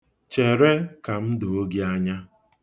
Chere ka m doo gị anya.